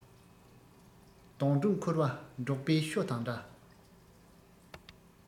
གདོང དྲུག འཁོར བ འབྲོག པའི ཤོ དང འདྲ